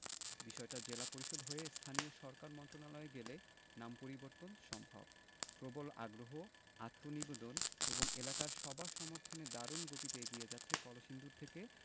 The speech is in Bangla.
বিষয়টা জেলা পরিষদ হয়ে স্থানীয় সরকার মন্ত্রণালয়ে গেলে নাম পরিবর্তন সম্ভব প্রবল আগ্রহ আত্মনিবেদন এবং এলাকার সবার সমর্থনে দারুণ গতিতে এগিয়ে যাচ্ছে কলসিন্দুর থেকে